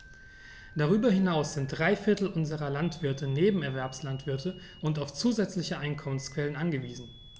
Darüber hinaus sind drei Viertel unserer Landwirte Nebenerwerbslandwirte und auf zusätzliche Einkommensquellen angewiesen.